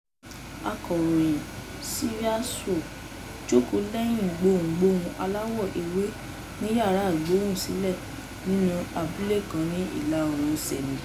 Akọ̀ròyìn Sira Sow jókòó lẹ́hìn gbohùgbohùn aláwọ̀ ewé ní yàrá ìgbohùnsílẹ̀ nínú abúlé kan ní ìlà-oòrùn Senegal.